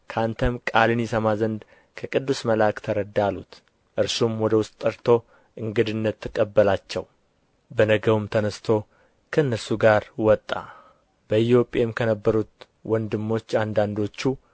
ከአንተም ቃልን ይሰማ ዘንድ ከቅዱስ መልአክ ተረዳ አሉት እርሱም ወደ ውስጥ ጠርቶ እንድግድነት ተቀበላቸው በነገውም ተነሥቶ ከእነርሱ ጋር ወጣ በኢዮጴም ከነበሩት ወንድሞች አንዳንዶቹ